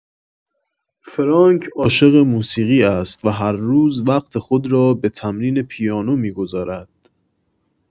فرانک عاشق موسیقی است و هر روز وقت خود را به تمرین پیانو می‌گذارد.